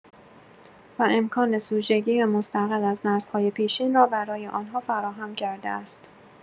و امکان سوژگی مستقل از نسل‌های پیشین را برای آنها فراهم کرده است.